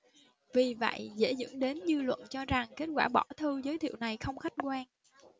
vì vậy dễ dẫn đến dư luận cho rằng kết quả bỏ thư giới thiệu này không khách quan